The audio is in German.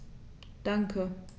Danke.